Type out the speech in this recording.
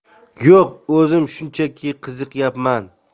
yo'q o'zim shunchaki qiziqyapman